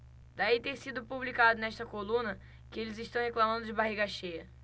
daí ter sido publicado nesta coluna que eles reclamando de barriga cheia